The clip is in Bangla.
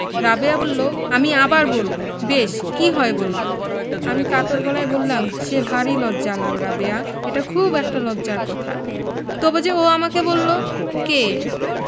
রাবেয়া বললো আমি আবার বলবো বেশ কি হয় বললে আমি কাতর গলায় বললাম সে ভারী লজ্জা রাবেয়া এটা খুব একটা লজ্জার কথা তবে যে ও আমাকে বললো কে